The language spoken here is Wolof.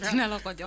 dina la ko jox